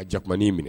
A jakumamani ye minɛ